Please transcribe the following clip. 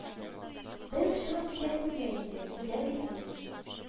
Берүк чыгып китә күрмә инде, үләм бит мин